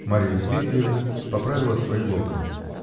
Марья Дмитриевна поправила свои локоны.